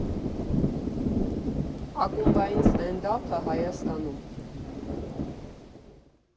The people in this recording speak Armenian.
Ակումբային ստենդափը Հայաստանում։